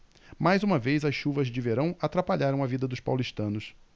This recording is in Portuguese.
mais uma vez as chuvas de verão atrapalharam a vida dos paulistanos